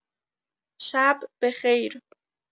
شب‌به‌خیر.